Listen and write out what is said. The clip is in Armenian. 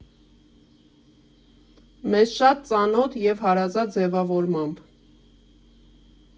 Մեզ շատ ծանոթ և հարազատ ձևավորմամբ։